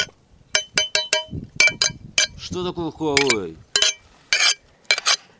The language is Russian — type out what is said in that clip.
что такое хуавей